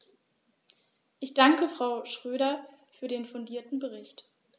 Ich danke Frau Schroedter für den fundierten Bericht.